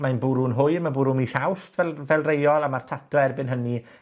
mae'n bwrw'n hwyr, ma'n bwrw mis Awst fel fel rheol, a ma' tato erbyn hynny